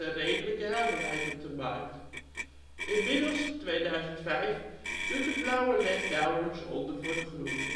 redelijke helderheid op de markt. Inmiddels (2005) doet de blauwe led nauwelijks onder voor de groene